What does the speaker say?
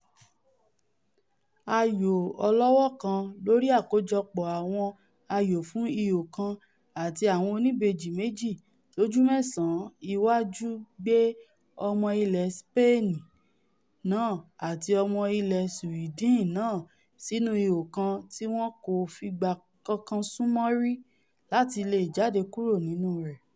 Ayò ọlọ́wọ́kan lórí àkójọpọ̀ àwọn ayò fún ihò kan ati awọn oníbejì méji lóju mẹ́ẹ̀sán iwáju gbẹ́ ọmọ ilẹ̀ Sipeeni náà àti ọmọ ilẹ̀ Siwidin náà sínú ihò kan tí wọn kò fígbà kankan súnmọ́ rí láti leè jadé kuro nínú rẹ̀.